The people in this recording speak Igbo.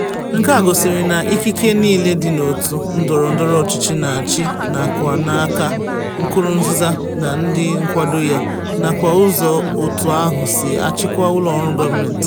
Nke a gosiri na ikike niile dị n'òtù ndọrọndọrọ ọchịchị na-achị nakwa n'aka Nkurunziza na ndị nkwado ya, nakwa ụzọ òtù ahụ sị achịkwa ụlọọrụ gọọmentị.